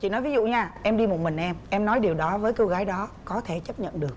chị nói ví dụ nha em đi một mình em em nói điều đó với cô gái đó có thể chấp nhận được